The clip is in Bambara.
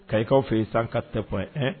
Ka ikaw fɛ yen san ka tɛ kuwa ɛ